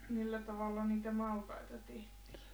millä tavalla niitä maltaita tehtiin